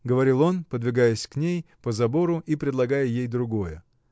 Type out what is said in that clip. — говорил он, подвигаясь к ней по забору и предлагая ей другое.